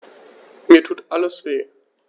Mir tut alles weh.